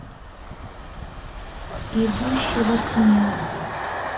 идущий во тьме